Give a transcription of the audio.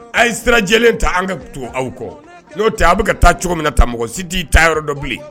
A ye sirajɛlen ta an ka to aw kɔ n'o tɛ a bɛ ka taa cogo min na ta mɔgɔ si t'i ta yɔrɔ dɔ bilen